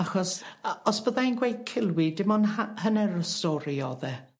achos a- os byddai'n gweud cilwy dim ond ha- hanner y stori o'dd e.